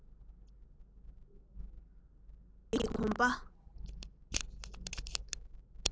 སྒྱུ རྩལ གྱི གོམ པ